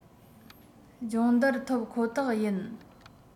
སྦྱོང བརྡར ཐོབ ཁོ ཐག ཡིན